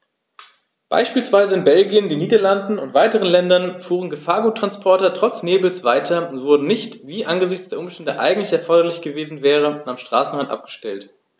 Beispielsweise in Belgien, den Niederlanden und weiteren Ländern fuhren Gefahrguttransporter trotz Nebels weiter und wurden nicht, wie es angesichts der Umstände eigentlich erforderlich gewesen wäre, am Straßenrand abgestellt.